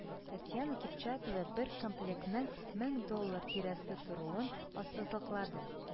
Татьяна Кипчатова бер комплектның мең доллар тирәсе торуын ассызыклады